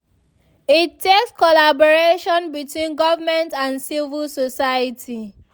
It takes collaboration between governments and civil society.